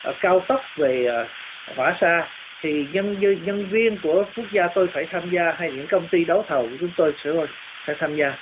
cao tốc về hỏa xa thì dân dân nhân viên của quốc gia tôi phải tham gia hay những công ty đấu thầu của chúng tôi sẽ sẽ tham gia